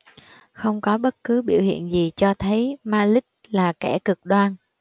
không có bất cứ biểu hiện gì cho thấy malik là kẻ cực đoan